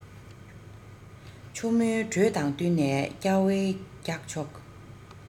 ཆུ མོའི འགྲོས དང བསྟུན ནས སྐྱ བའི རྒྱག ཕྱོགས